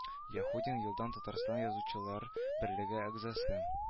Яһудин елдан татарстан язучылар берлеге әгъзасы